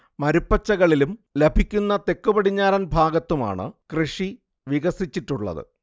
മരുപ്പച്ചകളിലും ലഭിക്കുന്ന തെക്കുപടിഞ്ഞാറൻ ഭാഗത്തുമാണ് കൃഷി വികസിച്ചിട്ടുള്ളത്